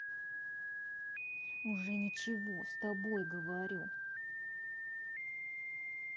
уже ничего с тобой говорю